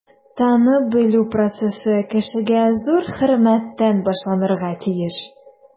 Танып-белү процессы кешегә зур хөрмәттән башланырга тиеш.